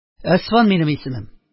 – әсфан минем исемем.